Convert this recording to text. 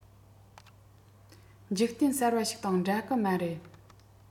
འཇིག རྟེན གསར པ ཞིག དང འདྲ གི མ རེད